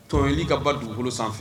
Tɔnonli ka ba dugukolo sanfɛ